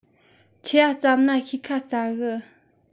ཆི ཡ བསྩབས ན ཤེས ཁ སྩ གི